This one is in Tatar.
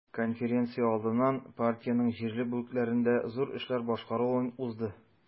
Конференция алдыннан партиянең җирле бүлекләрендә зур эшләр башкарылуын узды.